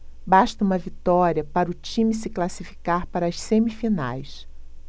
basta uma vitória para o time se classificar para as semifinais